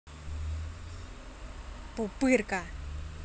пупырка